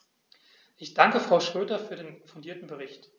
Ich danke Frau Schroedter für den fundierten Bericht.